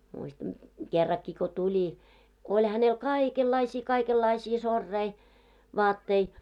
muistan kerrankin kun tuli kun oli hänellä kaikenlaisia kaikenlaisia soreita vaatteita